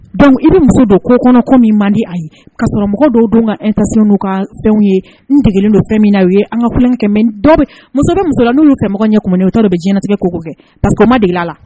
Dɔnku i bɛ muso don kɔ kɔnɔko min man di a ye kaa sɔrɔmɔgɔ dɔw don ka e ka nu ka fɛnw ye n dege don fɛn min na ye an kafikɛ dɔ muso bɛ musola n'u kɛmɔgɔ ɲɛ utɔ dɔ bɛ jtigɛ ko kɛ pakɔma de la la